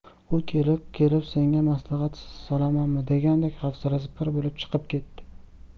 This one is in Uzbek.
u kelib kelib senga maslahat solamanmi degandek hafsalasi pir bo'lib chiqib ketdi